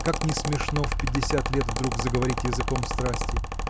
как ни смешно в пятьдесят лет вдруг заговорить языком страсти